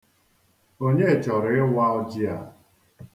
Onye chọrọ ịwa ọjị a?